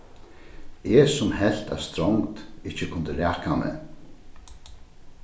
eg sum helt at strongd ikki kundi raka meg